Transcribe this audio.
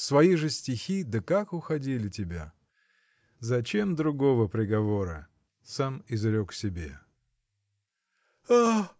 – Свои же стихи, да как уходили тебя! Зачем другого приговора? сам изрек себе. – А!